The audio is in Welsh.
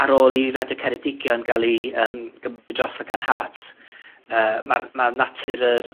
ar ôl i rhadio Ceredigion ga'l 'i yym, gymry droso gan Heart, yy, ma'r ma' natur yr